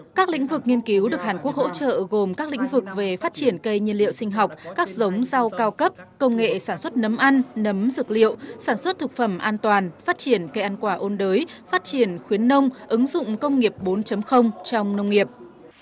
các lĩnh vực nghiên cứu được hàn quốc hỗ trợ gồm các lĩnh vực về phát triển cây nhiên liệu sinh học các giống rau cao cấp công nghệ sản xuất nấm ăn nấm dược liệu sản xuất thực phẩm an toàn phát triển cây ăn quả ôn đới phát triển khuyến nông ứng dụng công nghiệp bốn chấm không trong nông nghiệp